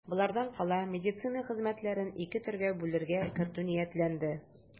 Болардан кала медицина хезмәтләрен ике төргә бүләргә кертү ниятләнде.